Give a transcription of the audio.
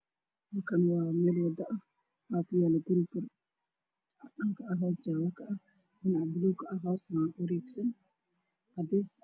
Meeshaan waa meel wado ah waxaa kuyaalo guri hoos jaale ka ah kor cadaan ah, dhinacana jaale ah.